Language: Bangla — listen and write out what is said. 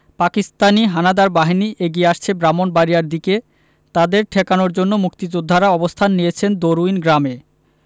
পাকিস্তানি হানাদার বাহিনী এগিয়ে আসছে ব্রাহ্মনবাড়িয়ার দিকে তাদের ঠেকানোর জন্য মুক্তিযোদ্ধারা অবস্থান নিয়েছেন দরুইন গ্রামে